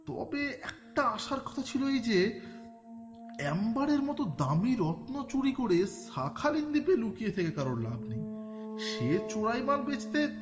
তবে একটা আসার কথা ছিল এই যে এম বারের মতো দামী রত্ন চুরি করে শাখালিন দ্বীপে লুকিয়ে থেকে কারো লাভ নেই সে চোরাই মাল বেচতে